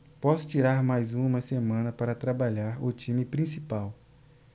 posso tirar mais uma semana para trabalhar o time principal